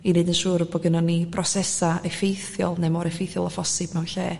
i neud yn siwr bo' gynnon ni brosesa' effeithiol ne' mor effeithiol a phosib mewn lle